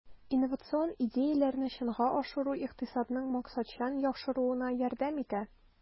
Инновацион идеяләрне чынга ашыру икътисадның максатчан яхшыруына ярдәм итә.